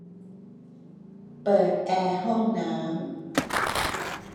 เปิดแอร์ห้องน้ำ